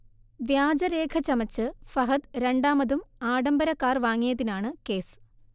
വ്യാജരേഖ ചമച്ച് ഫഹദ് രണ്ടാമതും ആഡംബര കാർ വാങ്ങിയതിനാണ് കേസ്